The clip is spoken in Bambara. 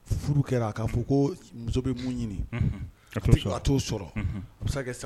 Furu kɛra' fɔ ko muso bɛ mun ɲini a t'o sɔrɔ